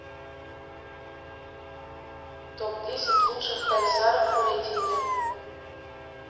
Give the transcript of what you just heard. топ десять лучших хайсаров в рейтинге